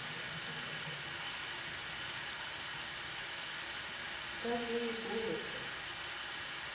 скажи голосом